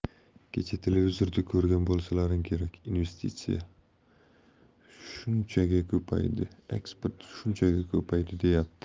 kecha televizorda ko'rgan bo'lsalaring kerak investitsiya shunchaga ko'paydi eksport shunchaga ko'paydi deyapti